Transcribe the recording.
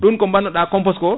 ɗum ko bannoɗa composte ko